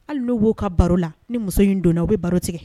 Hali n' b'u ka baro la ni muso in donnana u bɛ baro tigɛ